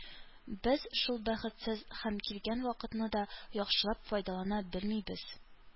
Без шул бәхетсез һәм килгән вакытны да яхшылап файдалана белмибез.